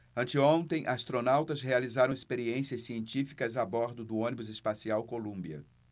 anteontem astronautas realizaram experiências científicas a bordo do ônibus espacial columbia